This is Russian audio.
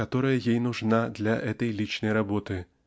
которая ей нужна для этой личной работы